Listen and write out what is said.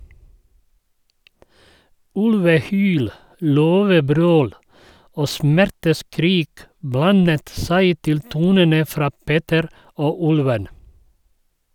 Ulvehyl, løvebrøl og smerteskrik blandet seg til tonene fra "Peter og Ulven".